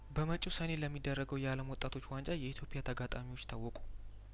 በመጪው ሰኔ ለሚ ደረገው የአለም ወጣቶች ዋንጫ የኢትዮፕያተጋጣሚዎች ታወቁ